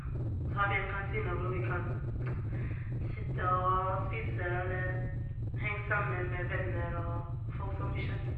Og så har vi en kantine hvor vi kan sitte og spiser eller henge sammen med venner og folk som vi kjenner.